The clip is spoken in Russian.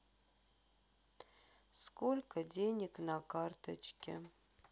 сколько денег на карточке